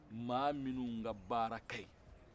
maaw minnu ka baara ka ɲi